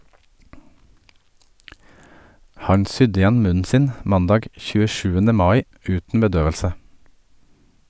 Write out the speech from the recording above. - Han sydde igjen munnen sin mandag 27. mai uten bedøvelse.